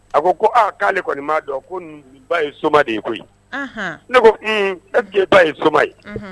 A ko ko aa k ko'ale kɔni ma dɔn ko ba ye soma de ye koyi ne ko e ba ye soma ye